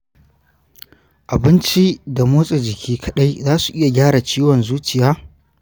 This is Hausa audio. abinci da motsa jiki kaɗai za su iya gyara ciwon zuciya?